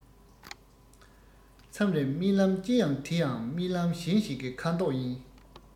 མཚམས རེར རྨི ལམ ཅི ཡང དེ ཡང རྨི ལམ གཞན ཞིག གི ཁ དོག ཡིན